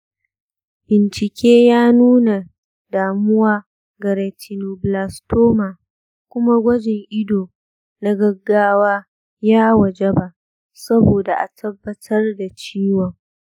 bincike ya nuna damuwa ga retinoblastoma, kuma gwajin ido na gaggawa ya wajaba saboda a tabbatar da ciwon.